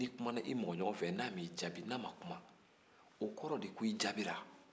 n'i kumana i mɔgɔ ɲɔgɔn fɛ n'a m'i jaabi n'a ma kuma o kɔrɔ de ye ko i jaabira